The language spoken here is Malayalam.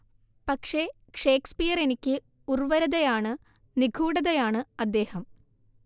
പക്ഷേ, ഷേക്സ്പിയറെനിക്ക് ഉർവരതയാണ് നിഗൂഢതയാണ് അദ്ദേഹം